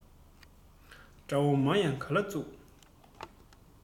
དགྲ བོ མང ཡང ག ལ ཚུགས